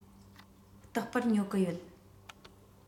རྟག པར ཉོ གི ཡོད